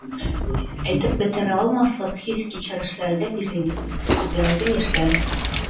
Әйтеп бетерә алмаслык хис-кичерешләргә бирелдек без, күзләргә яшьләр килде.